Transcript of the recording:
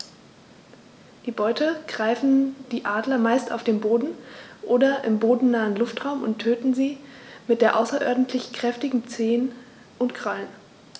Die Beute greifen die Adler meist auf dem Boden oder im bodennahen Luftraum und töten sie mit den außerordentlich kräftigen Zehen und Krallen.